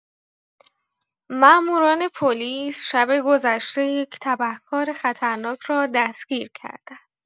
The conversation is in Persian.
مأموران پلیس شب گذشته یک تبهکار خطرناک را دستگیر کردند.